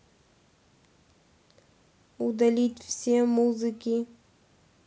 удалить все музыки